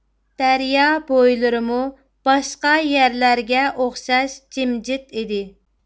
دەريا بويلىرىمۇ باشقا يەرلەرگە ئوخشاش جىمجىت ئىدى